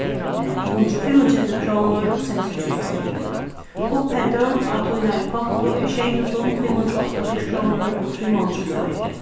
hundrað og fimmogtretivu krónur og seksogtrýss oyru upphæddin á tínari konto er sjey túsund fimm hundrað og áttaoghálvfjerðs krónur og fimmoghálvtrýss oyru